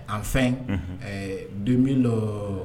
An fɛn don dɔ